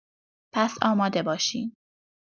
پس آماده باشین.